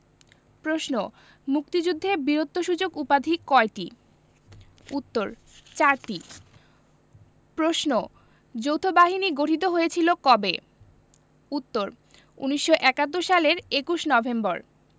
প্রশ্ন মুক্তিযুদ্ধে বীরত্বসূচক উপাধি কয়টি উত্তর চারটি প্রশ্ন যৌথবাহিনী গঠিত হয়েছিল কবে উত্তর ১৯৭১ সালের ২১ নভেম্বর